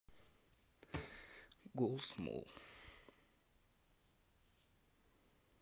гол смол